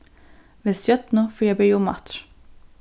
vel stjørnu fyri at byrja umaftur